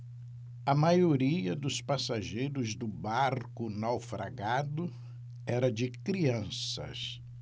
a maioria dos passageiros do barco naufragado era de crianças